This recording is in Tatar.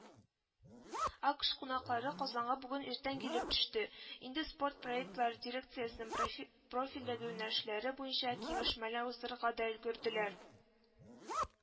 АКШ кунаклары Казанга бүген иртән килеп төште, инде Спорт проектлары дирекциясенең профи профильле юнәлешләре буенча киңәшмәләр уздырырга да өлгерделәр